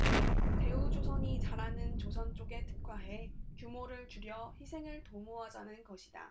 대우조선이 잘하는 조선 쪽에 특화해 규모를 줄여 회생을 도모하자는 것이다